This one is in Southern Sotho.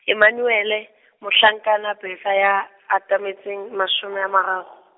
Emmanuele, Mohlankana Bertha ya atametseng mashome a mararo.